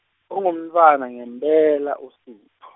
Ungumntfwana ngempela uSipho.